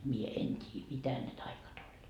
minä en tiedä mitä ne taiat oli